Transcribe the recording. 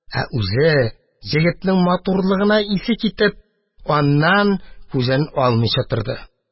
Ә үзе, егетнең матурлыгына исе китеп, аннан күзен алмыйча карап торды.